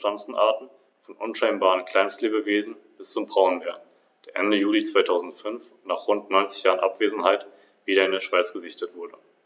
organisiert waren und insbesondere für die Steuererhebung zuständig waren.